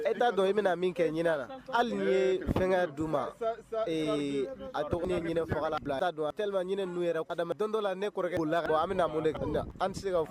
E t'a dɔn i bɛna min kɛ ɲinɛ na, hali n'i ye fɛngɛ d'u ma